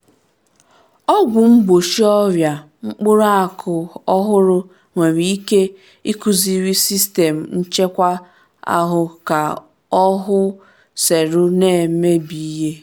Ọgwụ mgbochi ọrịa mkpụrụ akụ ọhụrụ nwere ike ikuziri sistem nchekwa ahụ ka ọ “hụ” selụ na-emebi ihe